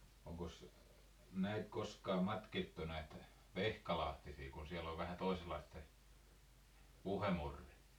onkos näitä koskaan matkittu näitä vehkalahtisia kun siellä on vähän toisenlaista se puhemurre